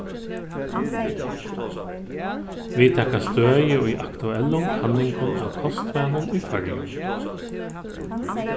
vit taka støði í aktuellum kanningum av kostvanum í føroyum